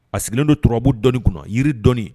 A sigilen don turabu dɔni kunna yiri dɔni